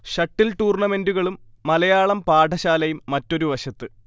shuttle ടൂർണമെന്റുകളും മലയാളം പാഠശാലയും മറ്റൊരു വശത്ത്